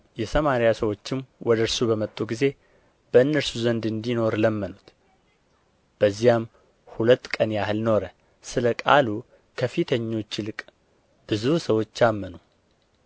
የሰማርያ ሰዎችም ወደ እርሱ በመጡ ጊዜ በእነርሱ ዘንድ እንዲኖር ለመኑት በዚያም ሁለት ቀን ያህል ኖረ ስለ ቃሉ ከፊተኞች ይልቅ ብዙ ሰዎች አመኑ